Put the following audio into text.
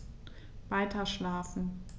Weiterschlafen.